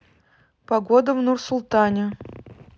погода в нур султане